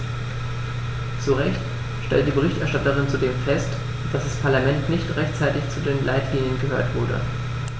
Zu Recht stellt die Berichterstatterin zudem fest, dass das Parlament nicht rechtzeitig zu den Leitlinien gehört wurde.